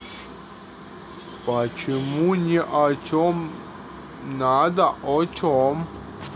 почему ни о чем надо о чем